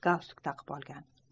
galstuk taqib olgan